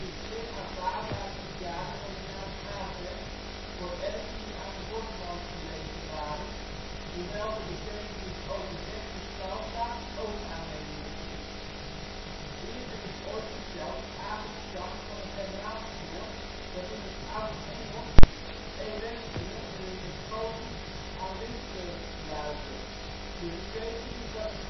zeer aanvaardbare verklaring van de naam " Avest " voor erven die aan de bosrand gelegen waren; hoewel de betekenis " overdek­te schuilplaats " ook aannemelijk is. Eerder is ooit gesteld dat Avest stamt van een Germaans woord, dat in het Oudengels " eowestre " en in het Go­tisch " awistr " luidde; de betekenis was